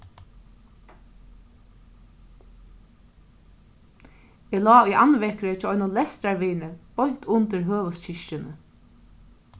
eg lá í andvekri hjá einum lestrarvini beint undir høvuðskirkjuni